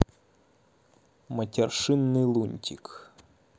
матершинный лунтик